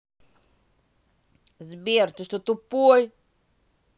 сбер ты что тупой